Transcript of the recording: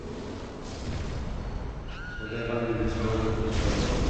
Så det er vanligvis lørdag og søndag.